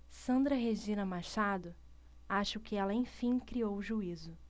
sandra regina machado acho que ela enfim criou juízo